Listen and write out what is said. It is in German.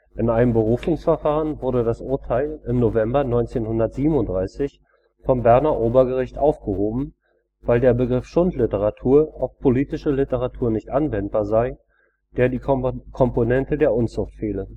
In einem Berufungsverfahren wurde das Urteil im November 1937 vom Berner Obergericht aufgehoben, weil der Begriff Schundliteratur auf politische Literatur nicht anwendbar sei, der die Komponente der Unzucht fehle